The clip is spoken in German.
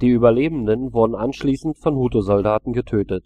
Die Überlebenden wurden anschließend von Hutu-Soldaten getötet.